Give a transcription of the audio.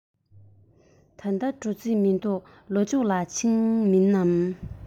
ད ལྟ འགྲོ རྩིས མི འདུག ལོ མཇུག ལ ཕྱིན མིན འགྲོ